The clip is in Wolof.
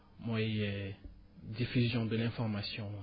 mooy diffusion de l' information